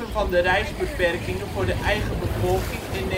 van de reisbeperkingen voor de eigen bevolking in